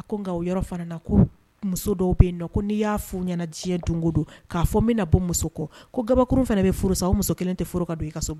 A ko nka, o yɔrɔ fana na, ko muso dɔw bɛ n'i y'a f'u ɲɛ na diɲɛ don o don k'a fɔ n bɛna bɔ muso kɔ, ko kabakuru fana bɛ furu sa o muso kelen tɛ furu ka don i ka so.